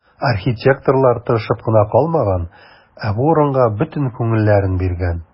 Архитекторлар тырышып кына калмаган, ә бу урынга бөтен күңелләрен биргән.